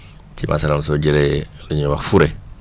ci * soo jëlee lu ñuy wax fure